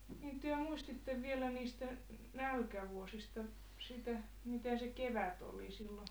niin te muistitte vielä niistä nälkävuosista siitä mikä se kevät oli silloin